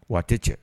Waati cɛ